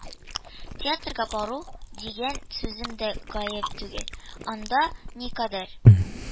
Театрга бару дигән сүзем дә гаеп түгел, анда никадәр